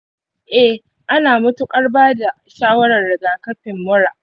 eh, ana matuƙar ba da shawarar rigakafin mura.